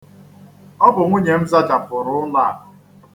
Ọ bụ nwunye m zachapụrụ ụlọ a.